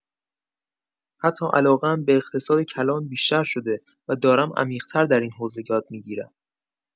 حتی علاقه‌ام به اقتصاد کلان بیشتر شده و دارم عمیق‌تر در این حوزه یاد می‌گیرم.